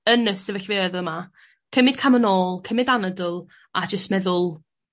yn y sefyllfeuoedd yma cymyd cam yn ôl cymyd anadl a jyst meddwl